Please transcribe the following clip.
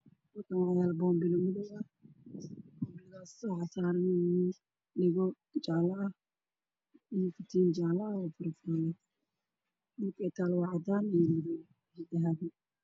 Waa boonbano midabkiisu yahay madow waxaa ku dhex jiro kabtan daiman ah